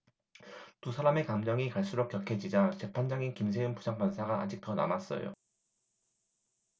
두 사람의 감정이 갈수록 격해지자 재판장인 김세윤 부장판사가 아직 더 남았어요